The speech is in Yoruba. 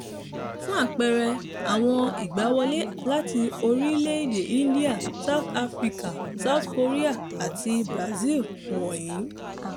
Fún àpẹẹrẹ, àwọn ìgbàwọlé láti orílẹ-èdè India, South Africa, South Korea àti Brazil wọ̀nyìí.